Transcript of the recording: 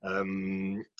yym